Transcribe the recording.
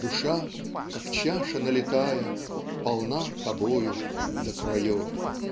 - Душа, как чаша налитая, Полна тобою до краев.